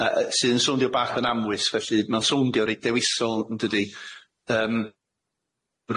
yy yy sydd yn sowndio bach yn amwys felly ma'n sowndio reit dewisol yndydi yym,